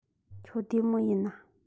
ཁྱོད བདེ མོ ཡིན ན